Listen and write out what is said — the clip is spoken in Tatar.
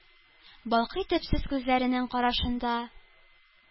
Балкый төпсез күзләренең карашында,